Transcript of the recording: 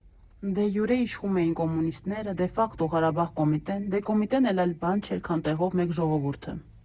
Դե յուրե իշխում էին կոմունիստները, դե ֆակտո՝ Ղարաբաղ կոմիտեն, դե, Կոմիտեն էլ այլ բան չէր, քան տեղով մեկ ժողովուրդը։